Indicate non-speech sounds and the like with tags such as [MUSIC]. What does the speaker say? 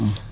[HESITATION]